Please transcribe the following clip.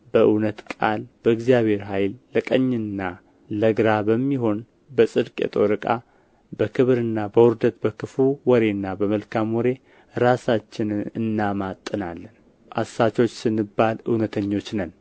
በእውነት ቃል በእግዚአብሔር ኃይል ለቀኝና ለግራ በሚሆን በጽድቅ የጦር ዕቃ በክብርና በውርደት በክፉ ወሬና በመልካም ወሬ ራሳችንን እናማጥናለን አሳቾች ስንባል እውነተኞች ነን